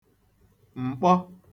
m̀kpọ